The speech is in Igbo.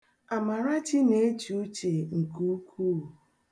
Amarachi na-eche uche nke ukwuu.